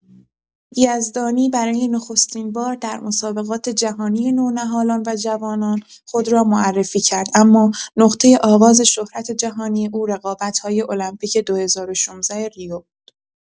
یزدانی برای نخستین‌بار در مسابقات جهانی نونهالان و جوانان خود را معرفی کرد اما نقطه آغاز شهرت جهانی او رقابت‌های المپیک ۲۰۱۶ ریو بود.